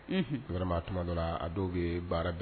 Un'a tuma dɔrɔn a dɔw ye baara bɛɛ